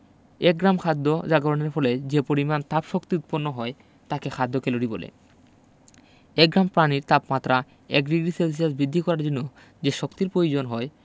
এক গ্রাম খাদ্য জাগরণের ফলে যে পরিমাণ তাপশক্তি উৎপন্ন হয় তাকে খাদ্যের ক্যালরি বলে এক গ্রাম পানির তাপমাত্রা ১ ডিগ্রি সেলসিয়াস বৃদ্ধি করার জন্য যে শক্তির পয়োজন হয়